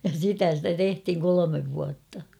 ja sitä sitä tehtiin kolme vuotta